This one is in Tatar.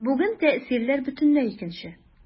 Бүген тәэсирләр бөтенләй икенче.